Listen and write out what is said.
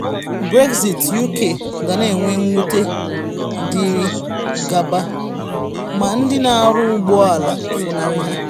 Brexit: UK “ga na-enwe nwute dịrị gaba ma ndị na-arụ ụgbọ ala funari ha